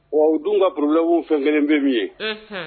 Wa u dun ka porolawo fɛn kelen bɛ min ye